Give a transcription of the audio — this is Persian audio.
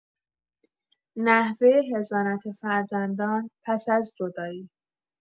نحوه حضانت فرزندان پس از جدایی